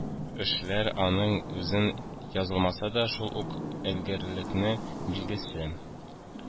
Эшләр, аның үзен язылмаса да, шул ук өлгергәнлек билгесе